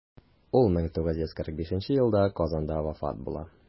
Ул 1945 елда Казанда вафат була.